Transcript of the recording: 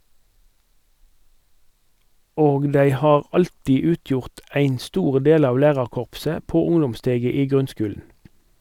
Og dei har alltid utgjort ein stor del av lærarkorpset på ungdomssteget i grunnskulen.